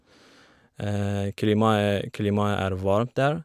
krimae Klimaet er varmt der.